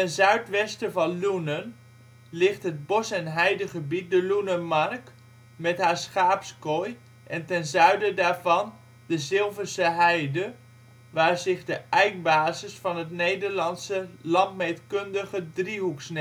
zuidwesten van Loenen ligt het bos - en heidegebied de Loenermark met haar schaapskooi en ten zuiden daarvan de Zilvensche heide waar zich de ijkbasis van het Nederlandse landmeetkundige